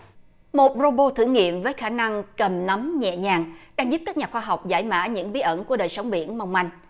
một rô bô thử nghiệm với khả năng cầm nắm nhẹ nhàng đã giúp các nhà khoa học giải mã những bí ẩn của đời sống biển mong manh